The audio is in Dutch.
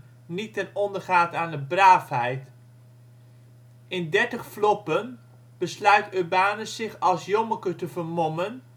ondergaat aan de braafheid. In " Dertig floppen " besluit Urbanus zich als Jommeke te vermommen